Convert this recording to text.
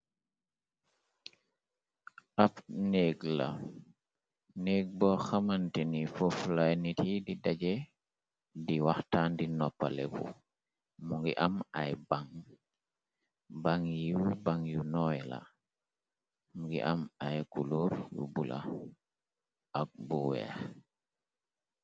Ab néeg la néeg boo xamante ni fofu laay nit yi di dajeh di waxtaan di noppaleku mu ngi am ay bang, bang yi baŋg yu nooy la mungi am ay kuluur yu bula ak bu weex.